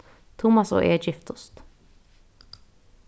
tummas og eg giftust